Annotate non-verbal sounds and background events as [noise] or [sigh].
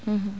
[hesitation] [hesitation]